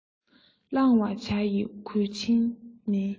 བླང བར བྱ ཡི གུས ཕྱིར མིན